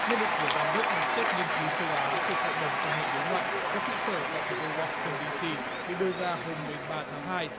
nhận định của giám đốc đặc trách nghiên cứu châu á thuộc hội đồng quan hệ đối ngoại có trụ sở tại thủ đô goa sin tơn đi xi được đưa ra hôm mười ba tháng hai